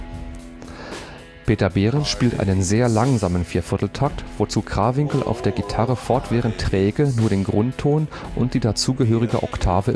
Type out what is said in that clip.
Behrens spielt einen sehr langsamen 4/4-Takt, wozu Krawinkel auf der Gitarre fortwährend träge nur den Grundton und die dazugehörige Oktave